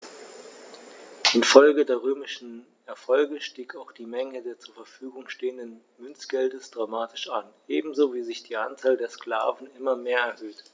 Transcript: Infolge der römischen Erfolge stieg auch die Menge des zur Verfügung stehenden Münzgeldes dramatisch an, ebenso wie sich die Anzahl der Sklaven immer mehr erhöhte.